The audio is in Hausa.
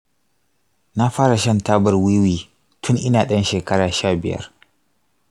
na fara shan tabar wiwi tun ina ɗan shekara sha biyar.